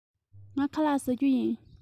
ངས ཁ ལག བཟས མེད